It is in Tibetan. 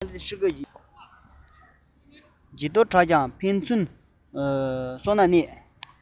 ཇི ལྟར བསྒྲུབས ཀྱང ཕན ཚུན སོ ན གནས